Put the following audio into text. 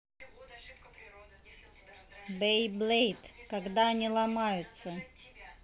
beyblade когда они ломаются